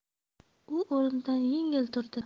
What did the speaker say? u o'rnidan yengil turdi